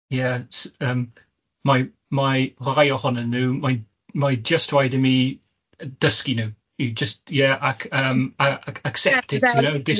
Ie s- yym mae mae rhai ohonyn nhw, mae'n mae jyst rhaid i mi dysgu nhw, i jyst ie ac yym ac ac accept it you know disgwl